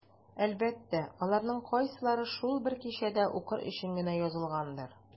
Әлбәттә, аларның кайсылары шул бер кичәдә укыр өчен генә язылгандыр.